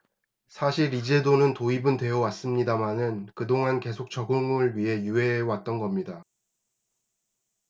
사실 이 제도는 도입은 되어 왔습니다마는 그동안 계속 적용을 유예해 왔던 겁니다